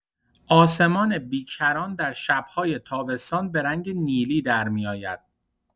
آسمان بی‌کران در شب‌های تابستان به رنگ نیلی درمی‌آید.